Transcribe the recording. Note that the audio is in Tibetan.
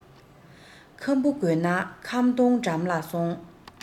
ཁམ བུ དགོས ན ཁམ སྡོང འགྲམ ལ སོང